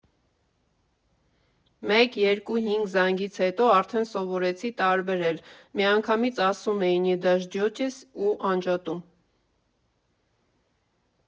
Մեկ, երկու, հինգ զանգից հետո արդեն սովորեցի տարբերել, միանգամից ասում էի՝ «նե դաժձյոծես», ու անջատում»։